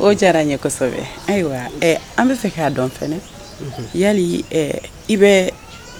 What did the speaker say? O diyara n ye kosɛbɛ , ayiwa, ɛɛ an bɛ fɛ k'a dɔn fɛnɛ yali i bɛ